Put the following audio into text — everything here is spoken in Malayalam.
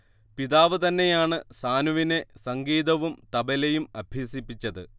പിതാവ് തന്നെയാണ് സാനുവിനെ സംഗീതവും തബലയും അഭ്യസിപ്പിച്ചത്